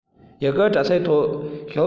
ཡུལ སྐོར དྲ ཚིགས ཐོག ཞུགས ཐུབ རྒྱུ མ རེད